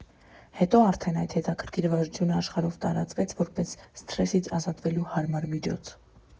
Հետո արդեն այդ հետաքրքիր վարժությունը աշխարհով տարածվեց որպես սթրեսից ազատվելու հարմար միջոց։